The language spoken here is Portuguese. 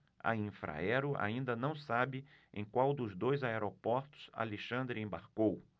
a infraero ainda não sabe em qual dos dois aeroportos alexandre embarcou